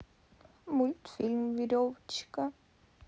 мультфильм веревочка